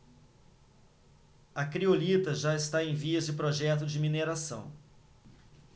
a criolita já está em vias de projeto de mineração